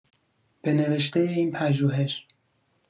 به نوشته این پژوهش